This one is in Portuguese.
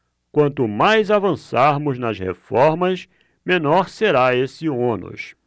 quanto mais avançarmos nas reformas menor será esse ônus